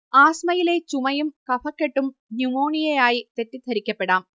ആസ്മയിലെ ചുമയും കഫക്കെട്ടും ന്യുമോണിയയായി തെറ്റിദ്ധരിക്കപ്പെടാം